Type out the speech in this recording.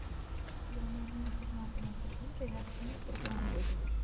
yomonning xizmatini qilguncha yaxshining qurboni bo'l